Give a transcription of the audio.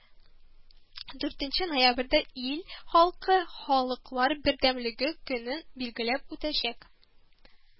Дүртенче ноябрьдә ил халкы халыклар бердәмлеге көнен билгеләп үтәчәк